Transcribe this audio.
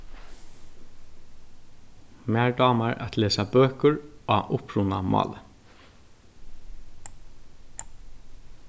mær dámar at lesa bøkur á upprunamáli